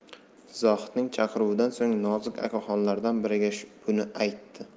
zohidning chaqiruvidan so'ng nozik akaxonlaridan biriga buni aytdi